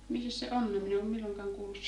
mihinkäs se Onne minä en ole milloinkaan kuullut siitä